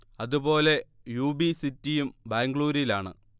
അതു പോലെ U B സിറ്റിയും ബാംഗ്ലൂരിലാണ്